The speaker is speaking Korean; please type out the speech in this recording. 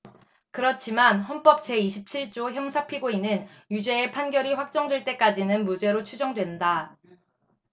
그렇지만 헌법 제 이십 칠 조 형사피고인은 유죄의 판결이 확정될 때까지는 무죄로 추정된다